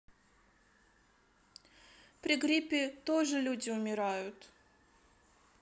при гриппе тоже люди умирают